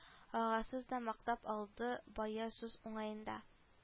Агасыз да мактап алды бая сүз уңаенда